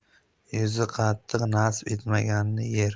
yuzi qattiq nasib etmaganni yer